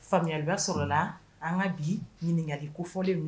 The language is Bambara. Faamuyaliba sɔrɔla an ka bi ɲininkakali kofɔlen